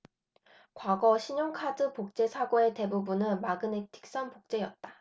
과거 신용카드 복제 사고의 대부분은 마그네틱선 복제였다